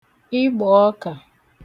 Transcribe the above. ịgbọọkà